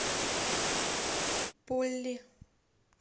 полли